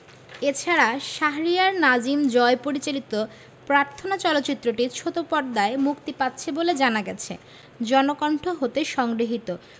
এ ছাড়া শাহরিয়ার নাজিম জয় পরিচালিত প্রার্থনা চলচ্চিত্রটি ছোট পর্দায় মুক্তি পাচ্ছে বলে জানা গেছে জনকণ্ঠ হতে সংগৃহীত